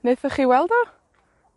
Waethoch chi weld o?